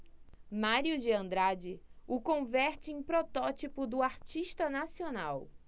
mário de andrade o converte em protótipo do artista nacional